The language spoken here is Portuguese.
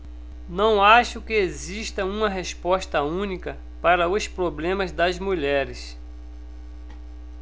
não acho que exista uma resposta única para os problemas das mulheres